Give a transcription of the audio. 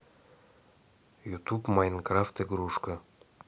ютуб майнкрафт игрушка